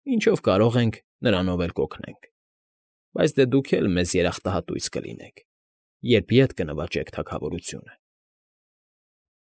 Ինչով կարող ենք, նրանով էլ կօգնենք, բայց դե դուք էլ մեզ երախտահատույց կլինեք, երբ ետ կնվաճեք թագավորությունը։